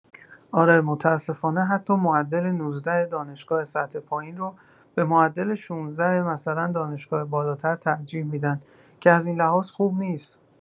اره متاسفانه حتی معدل ۱۹ دانشگاه سطح پایین رو به معدل ۱۶ مثلا دانشگاه بالاتر ترجیح می‌دن که ازین لحاظ خوب نیست.